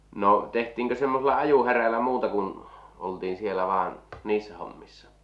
no tehtiinkö semmoisella ajohärällä muuta kuin oltiin siellä vain niissä hommissa